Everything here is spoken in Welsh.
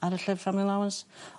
ar y llyfr family lowance.